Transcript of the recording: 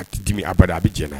A ti dimi abada a bi jɛ na ye.